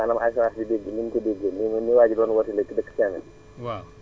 maanaam assurance bi dégg ni ñu ko déggee noonu ni waa ji doon woote léegi dëkk Thiamène